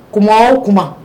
Kuma o kuma